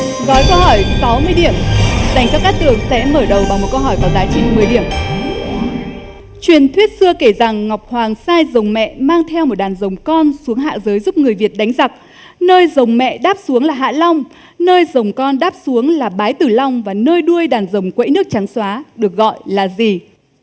gói câu hỏi sáu mươi điểm dành cho cát tường sẽ mở đầu bằng một câu hỏi có giá trị mười điểm của truyền thuyết xưa kể rằng ngọc hoàng sai rồng mẹ mang theo một đàn rồng con xuống hạ giới giúp người việt đánh giặc nơi rồng mẹ đáp xuống là hạ long nơi rồng con đáp xuống là bái tử long và nơi đuôi đàn rồng quẫy nước trắng xóa được gọi là gì